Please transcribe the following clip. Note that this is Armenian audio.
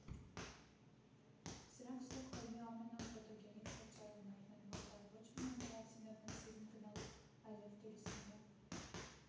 Սրանք Ստոկհոլմի «ամենաֆոտոգենիկ» սրճարաններն են, որտեղ ոչ միայն տեղացիներն են սիրում գնալ, այլև տուրիստները։